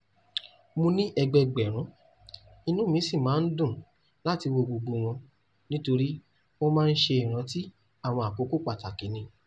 Mo ní ẹgbẹẹgbẹ̀rún, inú mi sì máa ń dùn láti wo gbogbo wọ́n, nítorí wọ́n máa ń ṣe ìrántí àwọn àkókò pàtàkì ni.